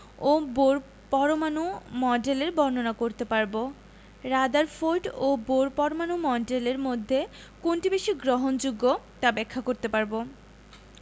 ও Bohr পরমাণু মডেলের বর্ণনা করতে পারব রাদারফোর্ড ও বোর পরমাণু মডেলের মধ্যে কোনটি বেশি গ্রহণযোগ্য তা ব্যাখ্যা করতে পারব